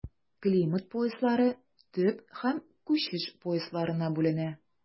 Климат пояслары төп һәм күчеш поясларына бүленә.